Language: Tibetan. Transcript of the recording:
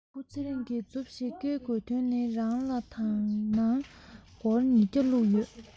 བུ ཚེ རིང གྱི མཛུབ ཞིག ཀེར དགོས དོན ནི རང ལ དང ནང སྒོར ཉི བརྒྱ བླུག ཡོད